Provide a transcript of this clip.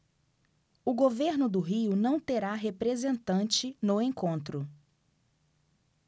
o governo do rio não terá representante no encontro